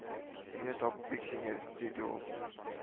— мине табу бик җиңел, — диде ул